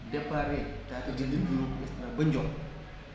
départ Tataguine ba Ndiock